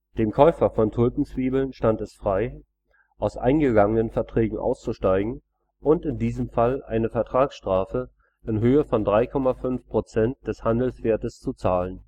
Dem Käufer von Tulpenzwiebeln stand es frei, aus eingegangenen Verträgen auszusteigen und in diesem Fall eine Vertragsstrafe in Höhe von 3,5 Prozent des Handelswertes zu zahlen